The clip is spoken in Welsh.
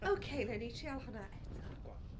OK wnawn ni treial hwnna eto... Go on.